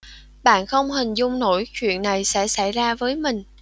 bạn không hình dung nổi chuyện này sẽ xảy ra với mình